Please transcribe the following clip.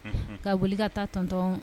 Ka boli ka taa tɔntɔn